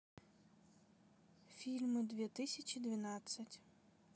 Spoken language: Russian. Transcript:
фильмы две тысячи девятнадцать